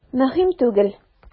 Мөһим түгел.